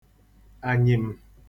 ànyị̀m̀